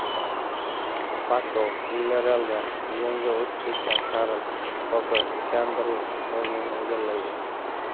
pako vilyarreal da lion ga o'tib ketgan karl toko ekambi o'rnini egallaydi